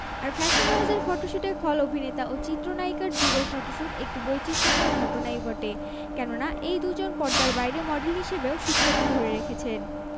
স্বল্পদৈর্ঘ্য চলচ্চিত্র সেলাই জীবন